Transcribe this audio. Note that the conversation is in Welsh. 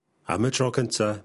Am y tro cynta